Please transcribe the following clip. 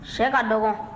shɛ ka dɔgɔ